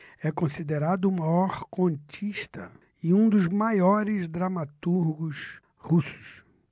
é considerado o maior contista e um dos maiores dramaturgos russos